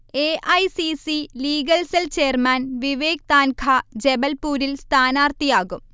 A. I. C. C. Legal cell chairman Vivek Tankha ജബൽപുരിൽ സ്ഥാനാർഥിയാകും